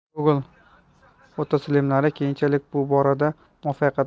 google photosolimlar keyinchalik bu boradagi muvaffaqiyatlarini